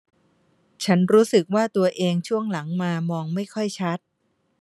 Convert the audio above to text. ฉันรู้สึกว่าตัวเองช่วงหลังมามองไม่ค่อยชัด